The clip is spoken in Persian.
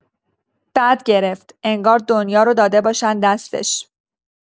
بعد گرفت، انگار دنیا رو داده باشن دستش.